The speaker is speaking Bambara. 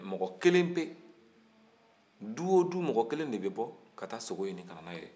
mɔgɔ kelen pen du o du mɔgɔ kelen de bɛ bɔ ka taa sogo ɲini kana na ye